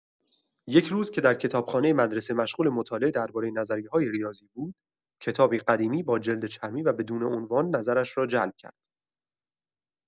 یک روز که در کتابخانه مدرسه مشغول مطالعه دربارۀ نظریه‌های ریاضی بود، کتابی قدیمی با جلد چرمی و بدون عنوان نظرش را جلب کرد.